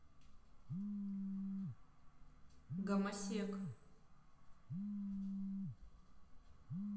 гамасек